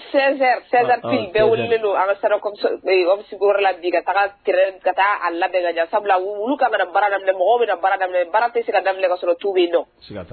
16 heures , 16heure piles bɛɛ weelelen don, an ka sanfɛ ee, omnisports la bi ka taa_ terrain k'a labɛn ka ɲan, sabula olu ka kan ka na baara daminɛ, mɔgɔw bɛna na baara daminɛ, baara tɛ se ka daminɛ ka sɔrɔ tu bɛ yen ninɔ., siga